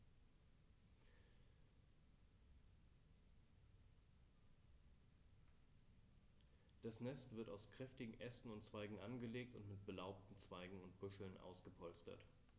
Das Nest wird aus kräftigen Ästen und Zweigen angelegt und mit belaubten Zweigen und Büscheln ausgepolstert.